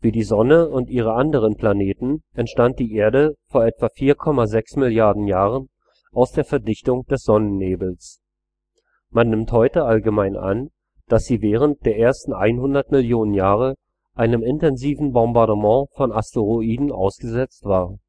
die Sonne und ihre anderen Planeten entstand die Erde vor etwa 4,6 Milliarden Jahren aus der Verdichtung des Sonnennebels. Man nimmt heute allgemein an, dass sie während der ersten 100 Millionen Jahre einem intensiven Bombardement von Asteroiden ausgesetzt war